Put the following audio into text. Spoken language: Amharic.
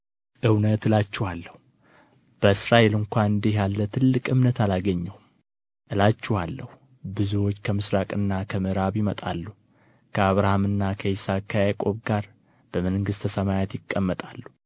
እውነት እላችኋለሁ በእስራኤል እንኳ እንዲህ ያለ ትልቅ እምነት አላገኘሁም እላችኋለሁም ብዙዎች ከምሥራቅና ከምዕራብ ይመጣሉ ከአብርሃምና ከይስሐቅ ከያዕቆብም ጋር በመንግሥተ ሰማያት ይቀመጣሉ